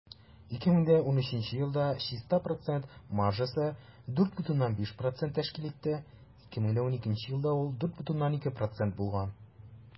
2013 елда чиста процент маржасы 4,5 % тәшкил итте, 2012 елда ул 4,2 % булган.